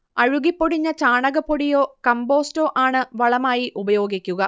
അഴുകിപ്പൊടിഞ്ഞ ചാണകപ്പൊടിയോ കമ്പോസ്റ്റോ ആണു് വളമായി ഉപയോഗിക്കുക